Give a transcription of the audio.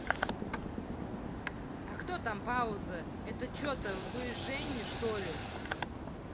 а кто там пауза это че то вы женни что ли